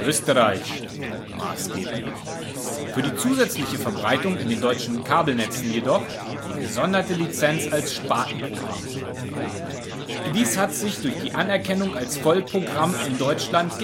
Österreich) maßgeblich, für die zusätzliche Verbreitung in den deutschen Kabelnetzen jedoch die gesonderte Lizenz als Spartenprogramm. Dies hat sich durch die Anerkennung als Vollprogramm in Deutschland